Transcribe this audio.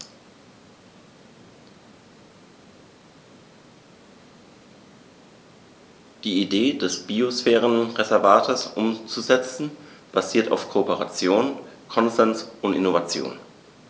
Die Idee des Biosphärenreservates umzusetzen, basiert auf Kooperation, Konsens und Innovation.